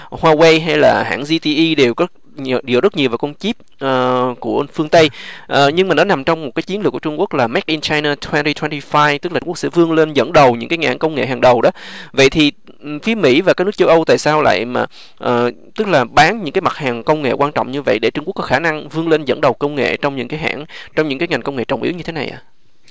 hoa guây hay là hãng di ti i đều có nhiều điều rất nhiều về con chip ờ của phương tây ở nhưng mà nó nằm trong một chiến lược của trung quốc là mết in chai nơ thoen ti thoen phai tức là quốc sẽ vươn lên dẫn đầu những kinh nghiệm công nghệ hàng đầu đất vậy thì phía mỹ và các nước châu âu tại sao lại mạng ở tức là bán những mặt hàng công nghệ quan trọng như vậy để trung quốc có khả năng vươn lên dẫn đầu công nghệ trong những cái hãng trong những ngành công nghiệp trọng yếu như thế này ạ